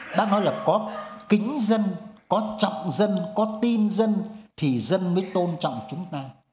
bác nói là có kính dân có trọng dân có tin dân thì dân mới tôn trọng chúng ta